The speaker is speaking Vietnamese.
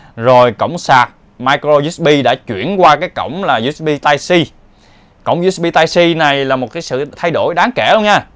cổng sạc microusb đã chuyển qua cổng usbtypec cổng usbtypec này là một sự thay đổi đáng kể